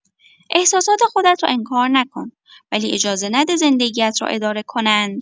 احساسات خودت را انکار نکن ولی اجازه نده زندگی‌ات را اداره کنند.